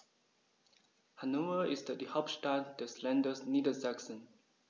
Hannover ist die Hauptstadt des Landes Niedersachsen.